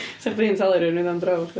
'Sa chdi'n talu rywun i fynd am dro hefo chdi?